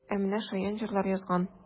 Ә менә шаян җырлар язган!